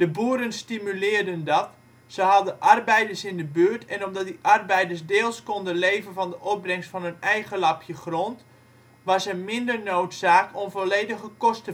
boeren stimuleerden dat, ze hadden arbeiders in de buurt en omdat die arbeiders deels konden leven van de opbrengst van hun eigen lapje grond was er minder noodzaak om volledige kost